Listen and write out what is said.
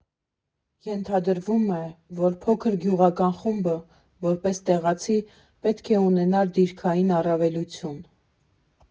Ենթադրվում է, որ փոքր գյուղական խումբը՝ որպես տեղացի, պետք է ունենար դիրքային առավելություն։